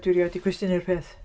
Dwi erioed 'di cwestiynnu'r peth.